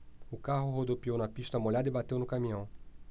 o carro rodopiou na pista molhada e bateu no caminhão